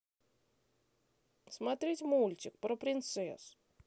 смотреть мультик про принцесс